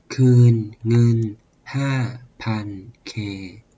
คืนเงินห้าพันเค